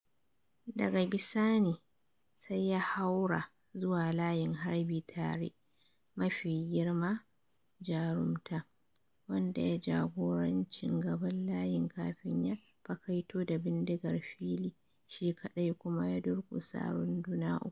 Daga bisani sai ya haura zuwa layin harbi tare "mafi girma jarumta" wanda ya jagorancin gaban layin kafin ya fakaito da bindigar -fili shi kadai kuma ya durkusa runduna uku.